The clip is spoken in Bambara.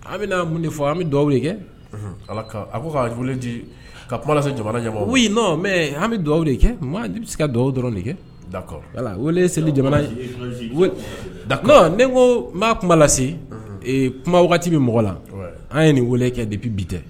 An bɛ mun de fɔ an bɛ dugawuwu kɛ ala a ko ka di ka kuma jamanaja u nɔn mɛ an bɛ dugawu de kɛ bɛ se ka dugawu dɔrɔn de kɛ da wele seli jamana ye da ko n tun' lase kuma waati wagati min mɔgɔ la an ye nin weele kɛ de bi bi tɛ